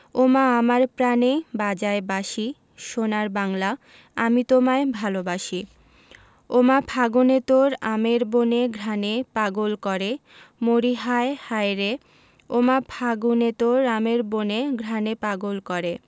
ওমা আমার প্রানে বাজায় বাঁশি সোনার বাংলা আমি তোমায় ভালোবাসি ওমা ফাগুনে তোর আমের বনে ঘ্রাণে পাগল করে মরিহায় হায়রে ওমা ফাগুনে তোর আমের বনে ঘ্রাণে পাগল করে